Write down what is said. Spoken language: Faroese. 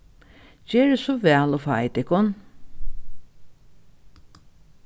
gerið so væl og fáið tykkum